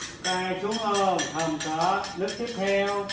có xuống không không có nước tiếp theo